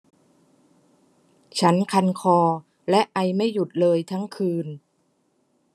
ฉันคันคอและไอไม่หยุดเลยทั้งคืน